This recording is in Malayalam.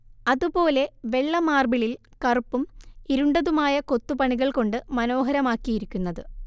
അതുപോലെ വെള്ള മാർബിളിൽ കറുപ്പും ഇരുണ്ടതുമായ കൊത്തുപണികൾ കൊണ്ട് മനോഹരമാക്കിയിരിക്കുന്നത്